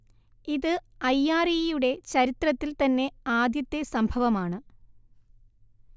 ഇത് ഐആർഇയുടെ ചരിത്രത്തിൽ തന്നെ ആദ്യത്തെ സംഭവമാണ്